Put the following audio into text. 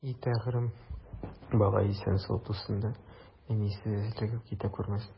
И Тәңрем, бала исән-сау тусын да, әнисе өзлегеп китә күрмәсен!